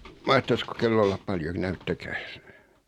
mahtaisiko kello olla paljon näyttäkääs